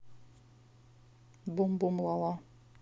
бум бум ла ла